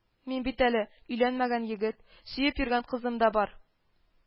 Мин бит әле — өйләнмәгән егет, сөеп йөргән кызым да бар